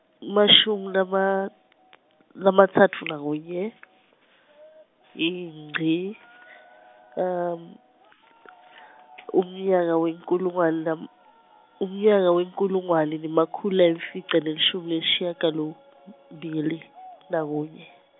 emashumi lama- lamatsatfu nakunye , iNgci umnyaka wenkhulungwalam-, umnyaka wenkhulungwane nemakhulu layimfica nelishumi nesishiyagalombili nakunye.